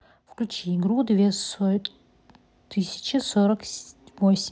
включи игру две тысячи сорок восемь